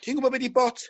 ti'n gwbod be' 'di bot?